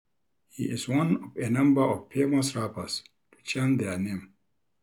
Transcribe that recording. He is one of a number of famous rappers to change their name.